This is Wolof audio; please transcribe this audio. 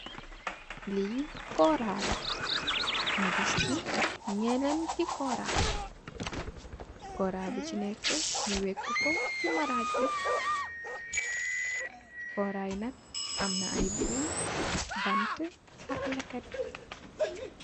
Li kora l la nyu gis si nyneenti kora kora bu si neka nyu werr ko si barag bi kora yi nak am na ay boom banta ak leket.